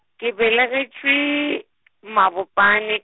ke belegetšwe , Mabopane.